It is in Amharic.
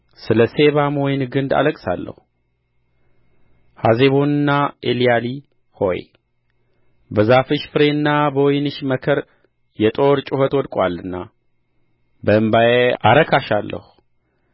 ስለ ሴባማ ወይን ግንድ አለቅሳለሁ ሐሴቦንና ኤልያሊ ሆይ በዛፍሽ ፍሬና በወይንሽ መከር የጦር ጩኸት ወድቆአልና በእንባዬ አረካሻለሁ